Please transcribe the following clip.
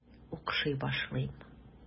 Укшый башлыйм.